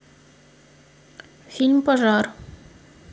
фильм пожар